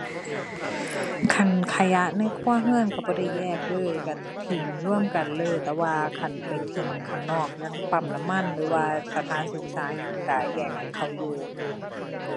คันขยะในครัวเรือนเรือนบ่ได้แยกเลย เรือนถิ้มรวมกันเลย แต่ว่าคันไปถิ้มข้างนอกอย่างปั๊มน้ำมันหรือว่าสถานศึกษาอิหยังเรือนแยกให้เขาอยู่